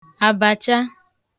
àbàcha